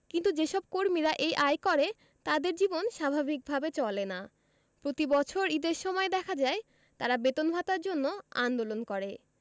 কিন্তু যেসব কর্মীরা এই আয় করে তাদের জীবন স্বাভাবিক ভাবে চলে না প্রতিবছর ঈদের সময় দেখা যায় তারা বেতন ভাতার জন্য আন্দোলন করে